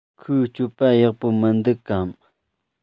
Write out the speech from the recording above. ཁོའི སྤྱོད པ ཡག པོ མི འདུག གམ